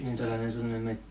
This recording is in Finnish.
niin sellainen suunnilleen